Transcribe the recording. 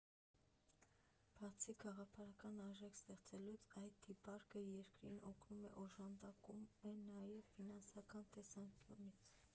Բացի գաղափարական արժեք ստեղծելուց, «Այ Թի Պարկը» երկրին օգնում և օժանդակում է նաև ֆինանսական տեսանկյունից։